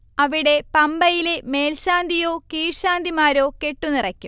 അവിടെ പമ്പയിലെ മേൽശാന്തിയോ കീഴ്ശാന്തിമാരോ കെട്ടു നിറയ്ക്കും